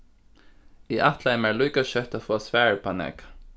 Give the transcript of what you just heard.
eg ætlaði bara líka skjótt at fáa svar uppá nakað